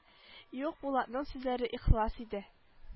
Юк булатның сүзләре ихлас иде